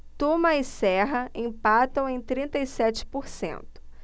tuma e serra empatam em trinta e sete por cento